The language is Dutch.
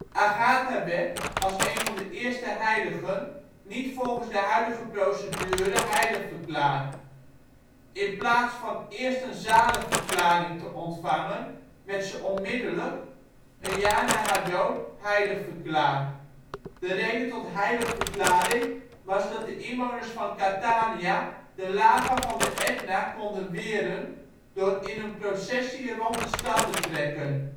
Agatha werd, als een van de eerste heiligen, niet volgens de huidige procedure heilig verklaard. In plaats van eerst een zaligverklaring te ontvangen werd ze onmiddellijk (een jaar na haar dood) heilig verklaard. De reden tot heiligverklaring was dat de inwoners van Catania de lava van de Etna konden weren door in een processie rond de stad te trekken